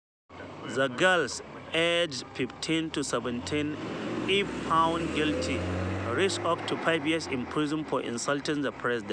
The girls, aged 15 to 17, if found guilty, risk up to five years in prison for insulting the president.